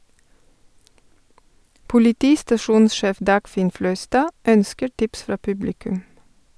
Politistasjonssjef Dagfinn Fløystad ønsker tips fra publikum.